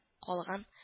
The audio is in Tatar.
Калган